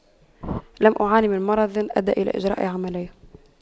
لم أعاني من مرض أدى إلى إجراء عملية